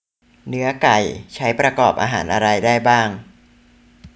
เนื้อไก่ใช้ประกอบอาหารอะไรได้บ้าง